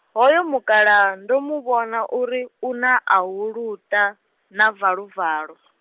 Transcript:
hoyo mukalaha, ndo mu vhona uri u na ahuluta, na valuvalu .